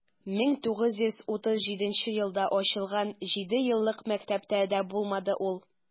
1937 елда ачылган җидееллык мәктәптә дә булмады ул.